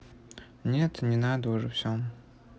нет не надо уже все